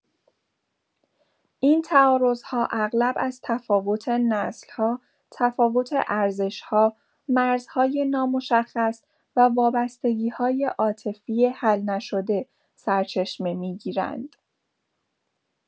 این تعارض‌ها اغلب از تفاوت نسل‌ها، تفاوت ارزش‌ها، مرزهای نامشخص و وابستگی‌های عاطفی حل‌نشده سرچشمه می‌گیرند.